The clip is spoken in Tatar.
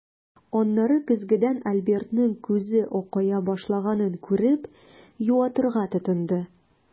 Аннары көзгедән Альбертның күзе акая башлаганын күреп, юатырга тотынды.